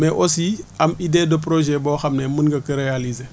mais aussi am idée de projet boo xam ne mën nga ko réaliser